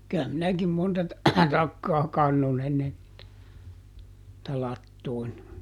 kyllä minäkin monta - takkaa kannoin ennen niitä latoon